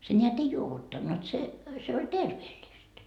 se näet ei juovuttanut se se oli terveellistä